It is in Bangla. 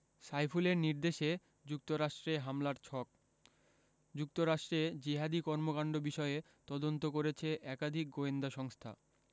সাইফুলের নির্দেশে যুক্তরাষ্ট্রে হামলার ছক যুক্তরাষ্ট্রে জিহাদি কর্মকাণ্ড বিষয়ে তদন্ত করেছে একাধিক গোয়েন্দা সংস্থা